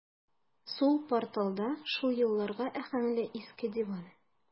Сул порталда шул елларга аһәңле иске диван.